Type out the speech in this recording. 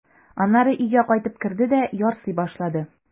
Аннары өйгә кайтып керде дә ярсый башлады.